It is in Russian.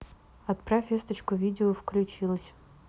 отправь весточку видео включилось